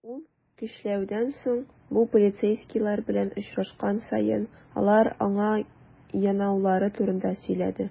Ул, көчләүдән соң, бу полицейскийлар белән очрашкан саен, алар аңа янаулары турында сөйләде.